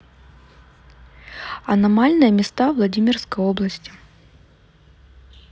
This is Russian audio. аномальные места владимирской области